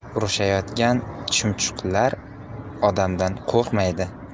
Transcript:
urushayotgan chumchuqlar odamdan qo'rqmaydi